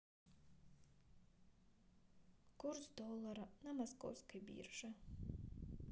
курс доллара на московской бирже